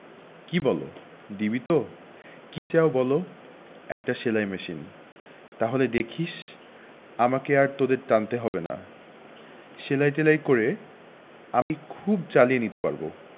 কি বলো দিবি তো কি চাও বলো একটা সেলাই মেশিন তাহলে দেখিস আমাকে আর তোদের টানতে হবে না সেলাই টেলাই করে আমি খুব চালিয়ে নিতে পারব